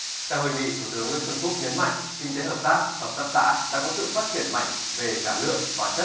tại hội nghị thủ tướng nguyễn xuân phúc nhấn mạnh kinh tế hợp tác hợp tác xã đã có sự phát triển mạnh về cả lượng và chất